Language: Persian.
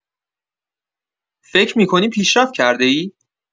فکر می‌کنی پیشرفت کرده‌ای؟